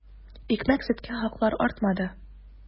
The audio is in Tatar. Икмәк-сөткә хаклар артмады.